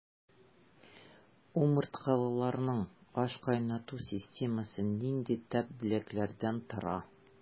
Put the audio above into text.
Умырткалыларның ашкайнату системасы нинди төп бүлекләрдән тора?